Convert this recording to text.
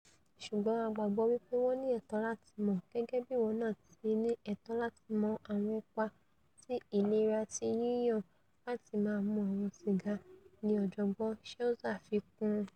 Ṣùgbọ́n a gbàgbó wí pé wọ́n ní ẹ̀tọ́ láti mọ̀ - gẹ́gẹ́bí ìwọ náà ti ní ẹ̀tọ́ láti mọ̀ àwọn ipa ti ìlera ti yíyàn láti máa mu àwọn sìgá,' ni Ọ̀jọ̀gbọ́n Czeisler fi kún un.